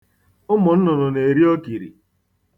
Ụmụ nnụnụ na-eri okiri.